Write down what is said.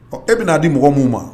Ɔ e be n'a di mɔgɔ mun ma